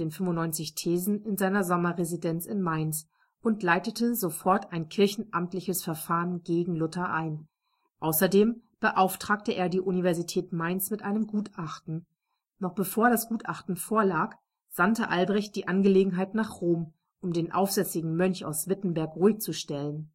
95 Thesen in seiner Sommerresidenz in Mainz und leitete sofort ein kirchenamtliches Verfahren gegen Luther ein. Außerdem beauftragte er die Universität Mainz mit einem Gutachten. Noch bevor das Gutachten vorlag, sandte Albrecht die Angelegenheit nach Rom, um den aufsässigen Mönch aus Wittenberg ruhigzustellen